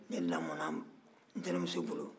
ne lamɔna n'tɛnɛn muso bolo